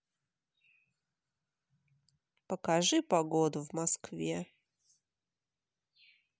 покажи погоду в москве